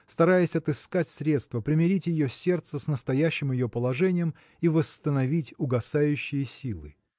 стараясь отыскать средства примирить ее сердце с настоящим ее положением и восстановить угасающие силы.